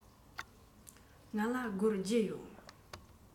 ང ལ སྒོར བརྒྱད ཡོད